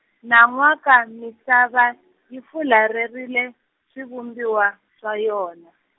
nan'waka misava yi fularherile, swivumbiwa, swa yona.